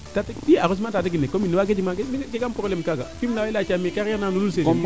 i arrondissement Tataguine commune ne wage mi jegaam prebleme kaaga Fimela xay laaca mene carrier nda